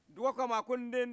duga ko ma a ko nden